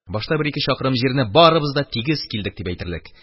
Башта бер-ике чакрым җирне барыбыз да тигез килдек дип әйтерлек.